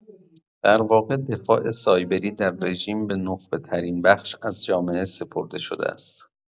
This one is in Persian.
در واقع دفاع سایبری در رژیم به نخبه‌ترین بخش از جامعه سپرده شده است.